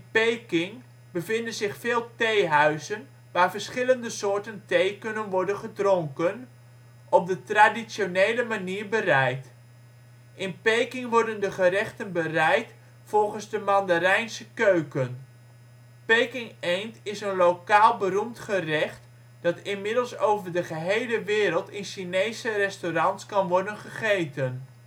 Peking bevinden zich veel theehuizen, waar verschillende soorten thee kunnen worden gedronken, op de traditionele manier bereid. In Peking worden de gerechten bereid volgens de Mandarijnse keuken. Pekingeend is een lokaal beroemd gerecht, dat inmiddels over de gehele wereld in Chinese restaurants kan worden gegeten